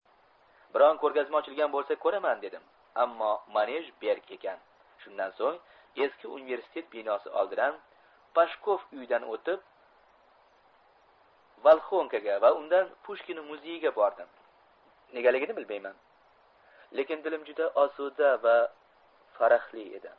lekin dilim juda osuda va farahli edi